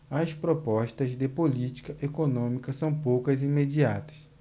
as propostas de política econômica são poucas e imediatas